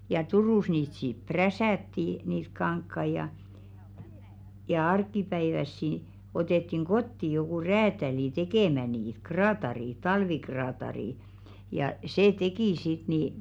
ja Turussa niitä sitten prässättiin niitä kankaita ja ja arkipäiväisiä otettiin kotiin joku räätäli tekemään niitä kraatari talvikraatari ja se teki sitten niin